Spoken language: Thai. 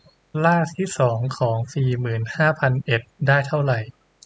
รากที่สองของสี่หมื่นห้าพันเอ็ดได้เท่าไหร่